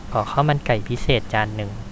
ขอข้าวมันไก่พิเศษจานนึง